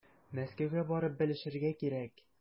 Мәскәүгә барып белешергә кирәк.